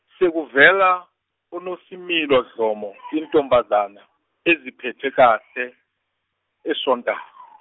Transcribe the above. sekuvela uNosimilo Dhlomo intombazana eziphethe kahle, esonta-.